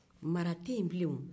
mara tɛ yen bilen woo